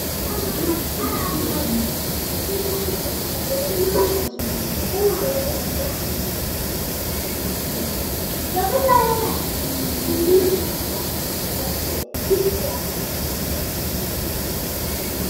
Waa qol midabkiisu yahay caddaan qaxwi